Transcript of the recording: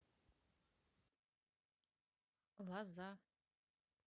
лоза